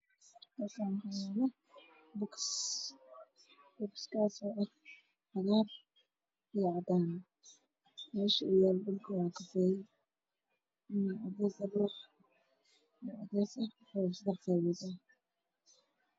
Waa kartoon caddaan agaar ah waxaa ku jirta daawo waxa uu saaran yahay meel madow ah